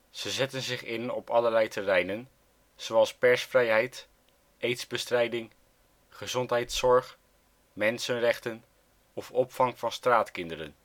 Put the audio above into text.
Ze zetten zich in op allerlei terreinen, zoals persvrijheid, aidsbestrijding, gezondheidszorg, mensenrechten of opvang van straatkinderen